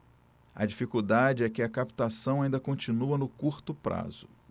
a dificuldade é que a captação ainda continua no curto prazo